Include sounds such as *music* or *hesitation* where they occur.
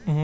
*hesitation* *hesitation*